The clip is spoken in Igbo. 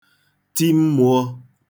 ti mmụ̄ọ̄